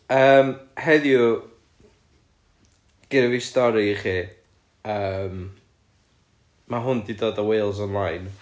yym heddiw gynna fi stori i chi yym ma' hwn 'di dod o Wales Online.